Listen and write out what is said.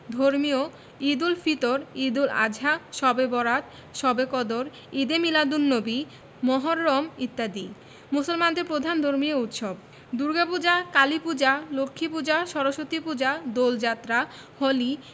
ধর্মীয় ঈদুল ফিতর ঈদুল আযহা শবে বরআত শবে কদর ঈদে মীলাদুননবী মুহররম ইত্যাদি মুসলমানদের প্রধান ধর্মীয় উৎসব দুর্গাপূজা কালীপূজা লক্ষ্মীপূজা সরস্বতীপূজা দোলযাত্রা হোলি